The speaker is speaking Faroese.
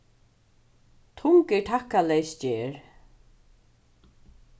tung er takkarleys gerð